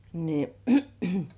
niin